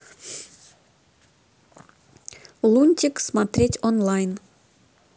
лунтик смотреть онлайн